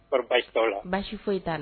T' la baasi basi foyi t'a la